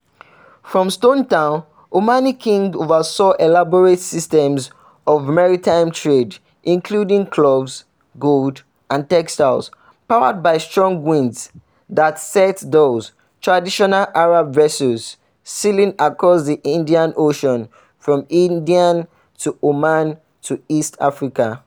From Stone Town, Omani kings oversaw elaborate systems of maritime trade, including cloves, gold, and textiles, powered by strong winds that set dhows — traditional Arab vessels — sailing across the Indian Ocean, from India to Oman to East Africa.